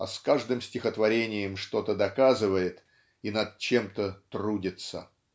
а каждым стихотворением что-то доказывает и над чем-то трудится.